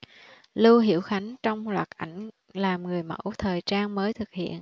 lưu hiểu khánh trong loạt ảnh làm người mẫu thời trang mới thực hiện